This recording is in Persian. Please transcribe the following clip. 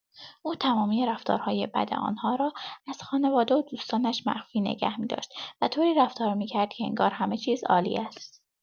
او تمامی رفتارهای بد آن‌ها را از خانواده و دوستانش مخفی نگه می‌داشت و طوری رفتار می‌کرد که انگار همه‌چیز عالی است.